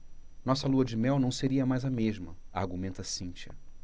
nossa lua-de-mel não seria mais a mesma argumenta cíntia